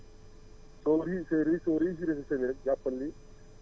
soo riche riche a riche a riche a lee sa semis rek jàppal ni